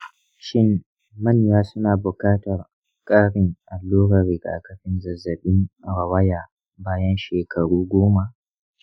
shin manya suna buƙatar ƙarin allurar rigakafin zazzabin rawaya bayan shekaru goma?